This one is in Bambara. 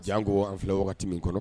Jango an filɛ wagati min kɔnɔ.